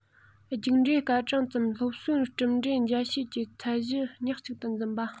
རྒྱུགས འབྲས སྐར གྲངས ཙམ སློབ གསོའི གྲུབ འབྲས འཇལ བྱེད ཀྱི ཚད གཞི ཉག ཅིག ཏུ འཛིན པ